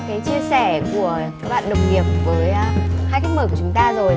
cái chia sẻ của các bạn đồng nghiệp với hai khách mời của chúng ta rồi